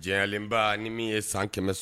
Diɲɛlenba ni min ye san kɛmɛ sɔrɔ